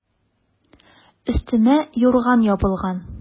Өстемә юрган ябылган.